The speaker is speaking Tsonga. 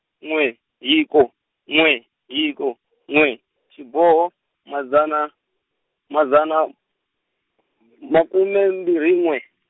n'we hiko, n'we hiko, n'we, xiboho, madzana, madzana m-, makume mbirhi n'we.